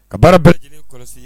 Ka baara bɛɛ lajɛlen kɔlɔsi ye